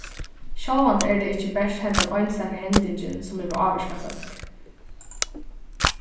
sjálvandi er tað ikki bert hendan einstaka hendingin sum hevur ávirkað fólk